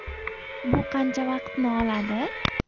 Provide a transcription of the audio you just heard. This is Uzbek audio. bu qancha vaqtni oladi